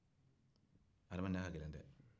adamadenya de don